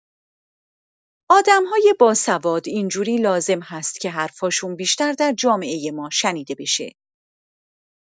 آدم‌های باسواد اینجوری لازم هست که حرف‌هاشون بیشتر در جامعه ما شنیده بشه.